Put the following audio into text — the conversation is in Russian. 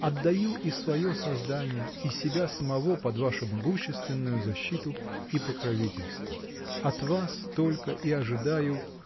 Отдаю и свое создание, и себя самого под вашу могущественную защиту и покровительство! От вас только и ожидаю.